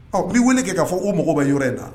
Ɔ b bi wele kɛ k'a fɔ o mɔgɔ bɛ yɔrɔ in ta